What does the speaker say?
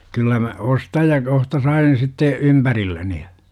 kyllä minä ostan kohta sain sitten ympärilleni ja